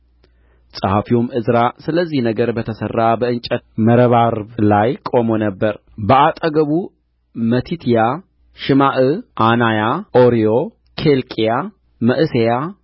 ጸሐፊውም ዕዝራ ስለዚህ ነገር በተሠራ በእንጨት መረባርብ ላይ ቆሞ ነበር በአጠገቡ መቲትያ ሽማዕ ዓናያ ኦርዮ ኬልቅያስ መዕሤያ